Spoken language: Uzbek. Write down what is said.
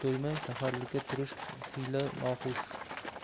to'ymay saharlikka turish xiyla noxush